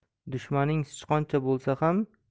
dushmaning sichqoncha bo'lsa